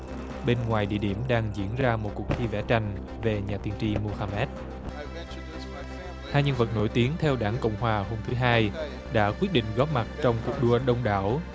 bên ngoài địa điểm đang diễn ra một cuộc thi vẽ tranh về nhà tiên tri mu ha mét hai nhân vật nổi tiếng theo đảng cộng hòa hôm thứ hai đã quyết định góp mặt trong cuộc đua đông đảo